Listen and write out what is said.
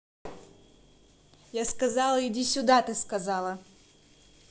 я сказала иди сюда ты сказала